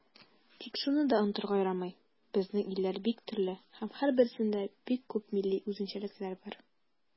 Тик шуны да онытырга ярамый, безнең илләр бик төрле һәм һәрберсендә бик күп милли үзенчәлекләр бар.